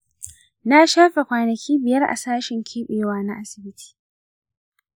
na shafe kwanaki biyar a sashen keɓewa na asibiti.